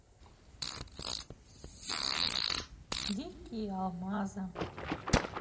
дикие алмазы